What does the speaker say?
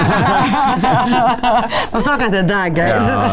nå snakker jeg til deg Geir.